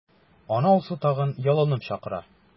Аны Алсу тагын ялынып чакыра.